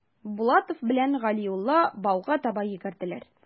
Булатов белән Галиулла буага таба йөгерделәр.